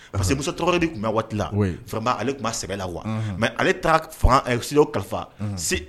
Parce que Musa tarawele de tun ka waati la, vraiment ale de tun b'a sɛbɛ la quoi . Unhun. Mais ale tara fanga, kalifa.